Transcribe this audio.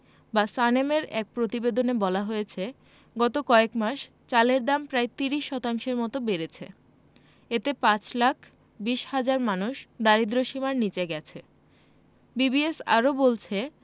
বা সানেমের এক প্রতিবেদনে বলা হয়েছে গত কয়েক মাস চালের দাম প্রায় ৩০ শতাংশের মতো বেড়েছে এতে ৫ লাখ ২০ হাজার মানুষ দারিদ্র্যসীমার নিচে গেছে বিবিএস আরও বলছে